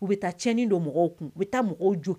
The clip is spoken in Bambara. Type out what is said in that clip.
U bɛ taacɲɛn don mɔgɔw kun u bɛ taa mɔgɔw jo